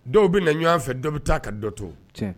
Dɔw bɛ na ɲɔgɔnwan fɛ dɔw bɛ taa ka dɔ to